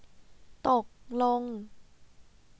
ตกลง